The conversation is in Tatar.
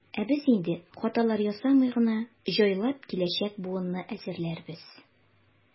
Ә без инде, хаталар ясамый гына, җайлап киләчәк буынны әзерләрбез.